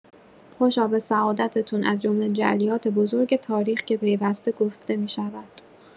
خوشا به سعادتتون از جمله جعلیات بزرگ تاریخ که پیوسته گفته می‌شود.